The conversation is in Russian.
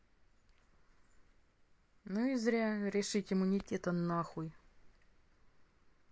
ну и зря решить иммунитета нахуй